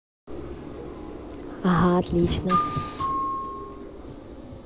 ага отлично